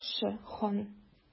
Яхшы, хан.